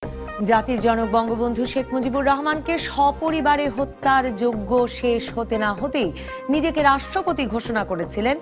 জাতির জনক বঙ্গবন্ধু শেখ রহমানকে সপরিবারে হত্যার যজ্ঞ শেষ হতে না হতেই নিজেকে রাষ্ট্রপতি ঘোষণা করেছিলেন